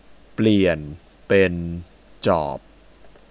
เปลี่ยนเป็นจอบ